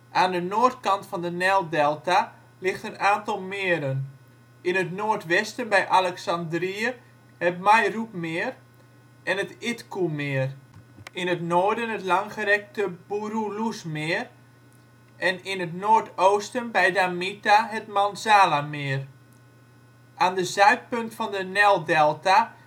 Aan de noordkant van de Nijldelta ligt een aantal meren: in het noordwesten bij Alexandrië het Mayroet-meer en het Idkoe-meer, in het noorden het langgerekte Boeroelloes-meer, en in het noordoosten bij Damietta het Manzala-meer. Aan de zuidpunt van de Nijldelta